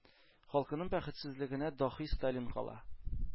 Халкының бәхетсезлегенә, “даһи” сталин кала.